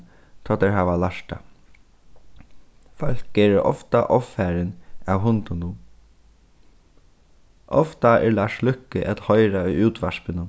tá teir hava lært tað fólk eru ofta ovfarin av hundunum ofta er lars løkke at hoyra í útvarpinum